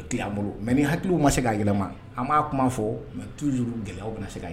Mɛ hakili ma se an b'a kuma fɔ mɛ t' juru gɛlɛya aw bɛ segin